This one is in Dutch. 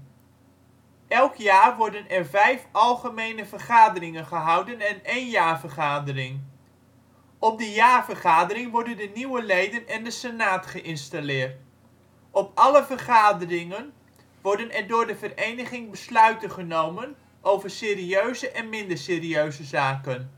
jaar worden er vijf algemene vergaderingen gehouden en één jaarvergadering. Op de jaarvergadering worden de nieuwe leden en de senaat geïnstalleerd. Op alle vergaderingen worden er door de vereniging besluiten genomen over serieuze en minder serieuze zaken